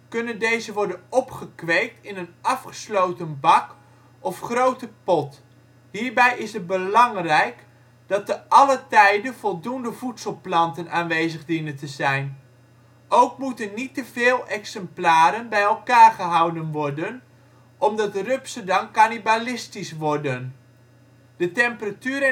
kunnen deze worden opgekweekt in een afgesloten bak of grote pot. Hierbij is het belangrijk dat te allen tijde voldoende voedselplanten aanwezig dienen te zijn. Ook moeten niet teveel exemplaren bij elkaar gehouden worden omdat rupsen dan kannibalistisch worden. De temperatuur